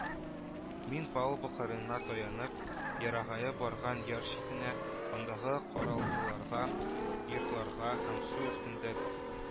Мин, палуба кырыена таянып, ерагая барган яр читенә, андагы каралтыларга, йортларга һәм су өстендә